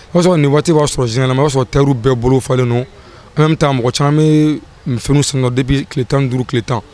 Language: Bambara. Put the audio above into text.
O'a sɔrɔ nin waatiti b'a sɔrɔsiyɲɛna n b'a sɔrɔ teriuru bɛɛ bolo falen an bɛ taa mɔgɔ caman bɛ sendibi tile tan duuru tile tan